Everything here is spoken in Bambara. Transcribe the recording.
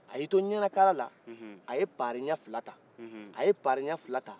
a y'i to ɲɛnakala la a ye paare ɲɛfila ta a ye paare ɲɛfila ta